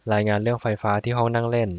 รายงานเรื่องไฟฟ้าที่ห้องนั่งเล่น